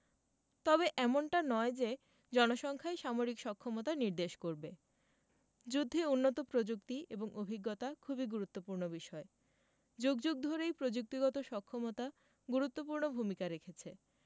তবে এমনটা নয় যে জনসংখ্যাই সামরিক সক্ষমতা নির্দেশ করবে যুদ্ধে উন্নত প্রযুক্তি এবং অভিজ্ঞতা খুবই গুরুত্বপূর্ণ বিষয় যুগ যুগ ধরেই প্রযুক্তিগত সক্ষমতা গুরুত্বপূর্ণ ভূমিকা রেখেছে